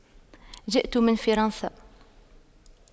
جئت من فرنسا